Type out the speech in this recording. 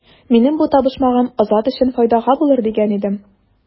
Минем бу табышмагым Азат өчен файдага булыр дигән идем.